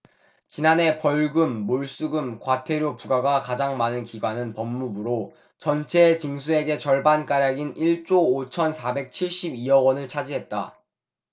지난해 벌금 몰수금 과태료 부과가 가장 많은 기관은 법무부로 전체 징수액의 절반가량인 일 조 오천 사백 칠십 이 억원을 차지했다